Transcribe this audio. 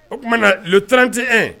O tuma na trantie